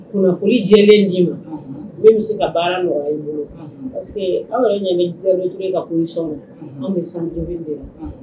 Kunnafoni jɛlen di wo n'o bɛ se ka baara nɔgɔya i bolo parce que anw yɛrɛ ɲɛ b Gabriel Ture position min na